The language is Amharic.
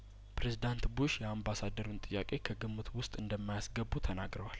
ፕሬዚዳንት ቡሽ የአምባሳደሩን ጥያቄ ከግምት ውስጥ እንደማ ያስገቡ ተናግረዋል